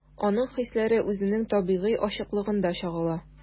Аның хисләре үзенең табигый ачыклыгында чагыла.